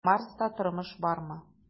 "марста тормыш бармы?"